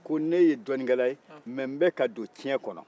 ko ne ye dɔɔninkɛla ye mais n bɛ ka don ciyɛn kɔnɔ